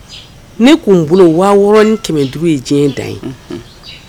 Ni tun bolo wa wɔɔrɔɔrɔn kɛmɛdugu ye diɲɛ dan ye